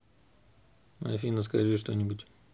афина скажи что нибудь